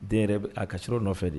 Den yɛrɛ a ka s sira nɔfɛ de ye